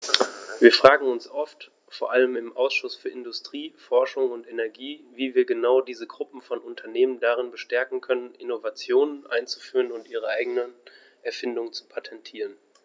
Wir fragen uns oft, vor allem im Ausschuss für Industrie, Forschung und Energie, wie wir genau diese Gruppe von Unternehmen darin bestärken können, Innovationen einzuführen und ihre eigenen Erfindungen zu patentieren.